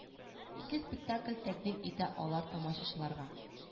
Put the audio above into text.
Ике спектакль тәкүдим итә алар тамашачыларга